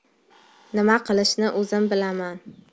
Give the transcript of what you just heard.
nima qilishni o'zim bilaman